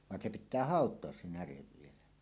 vaan se pitää hautoa se näre vielä